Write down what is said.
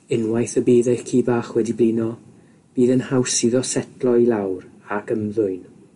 Unwaith y bydd eich ci bach wedi blino, bydd yn haws iddo setlo i lawr ac ymddwyn.